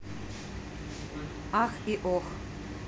ах и ох